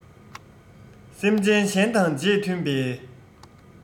སེམས ཅན གཞན དང རྗེས མཐུན པའི